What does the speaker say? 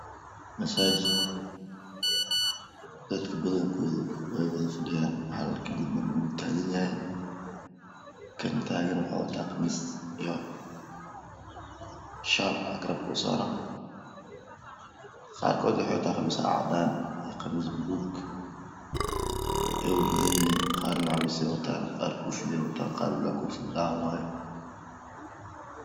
Msaajid dakak padankood ey wada fadhiyaan hal kamidna uu tagan yahy kantaagan waxa uu wataa qamiis iyo shaal aa garpka u saaran qarkood waxe wataan qamiis cadana iyo qamiis paluug qaar macwuus wataan qar Kofibey watan qaar koofi laan qayee